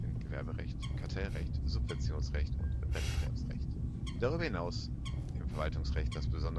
Gewerberecht Kartellrecht Subventionsrecht Wettbewerbsrecht Besonderes